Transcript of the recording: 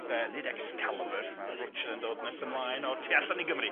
De, nid Excalibur, ma' rwtsh 'na'n dod nes ymlaen o tu allan i Gymru.